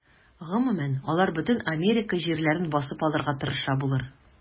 Гомумән, алар бөтен Америка җирләрен басып алырга тырыша булыр.